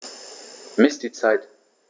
Miss die Zeit.